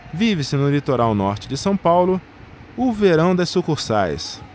vive-se no litoral norte de são paulo o verão das sucursais